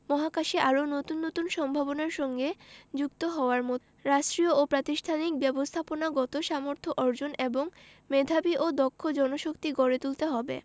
মহাকাশে আরও নতুন নতুন সম্ভাবনার সঙ্গে যুক্ত হওয়ার মতো রাষ্ট্রীয় ও প্রাতিষ্ঠানিক ব্যবস্থাপনাগত সামর্থ্য অর্জন এবং মেধাবী ও দক্ষ জনশক্তি গড়ে তুলতে হবে